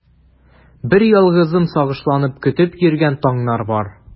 Берьялгызым сагышланып көтеп йөргән таңнар бар.